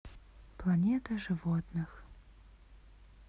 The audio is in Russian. планета животных